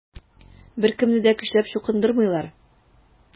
Беркемне дә көчләп чукындырмыйлар.